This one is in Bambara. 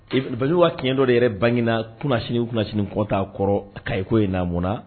Bali wa tiɲɛɲɛ dɔ de yɛrɛ bangina kunss kɔnta kɔrɔ a kako ye naabonna